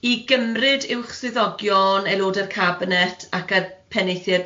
I gymryd uwchsyddogion aelodau'r cabinet ac y pennaethiad